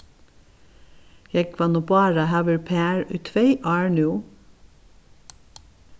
jógvan og bára hava verið par í tvey ár nú